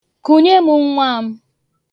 Kunye m nwa m.